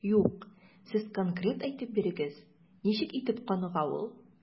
Юк, сез конкрет әйтеп бирегез, ничек итеп каныга ул?